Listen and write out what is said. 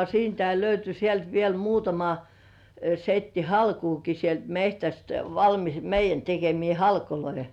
siitäkin löytyi sieltä vielä muutama setti halkoakin sieltä metsästä valmis meidän tekemiä halkoja